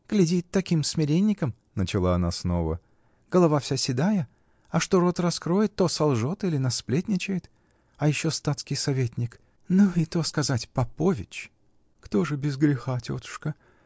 -- Глядит таким смиренником, -- начала она снова, -- голова вся седая, а что рот раскроет, то солжет или насплетничает. А еще статский советник! Ну, и то оказать: попович! -- Кто же без греха, тетушка?